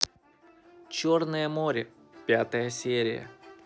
черное море пятая серия